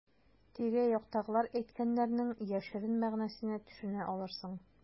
Тирә-яктагылар әйткәннәрнең яшерен мәгънәсенә төшенә алырсың.